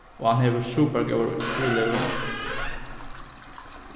og hann hevur super góðar ílegur